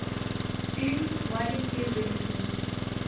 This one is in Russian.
фильм маленькие женщины